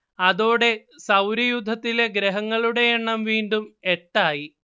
അതോടെ സൗരയൂഥത്തിലെ ഗ്രഹങ്ങളുടെയെണ്ണം വീണ്ടും എട്ടായി